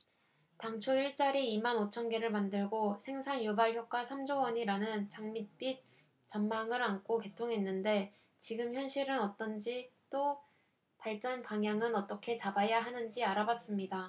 당초 일자리 이 만 오 천 개를 만들고 생산 유발효과 삼 조 원이라는 장밋빛 전망을 안고 개통했는데 지금 현실은 어떤지 또 발전 방향은 어떻게 잡아야 하는지를 알아봤습니다